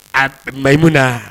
A, Mayimunaa